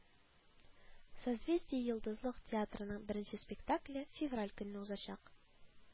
“созвездие-йолдызлык” театрының беренче спектакле февраль көнне узачак